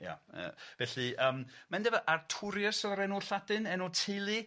Ia yy felly yym ma' yndyfe... Arturius oedd yr enw Lladin enw teulu.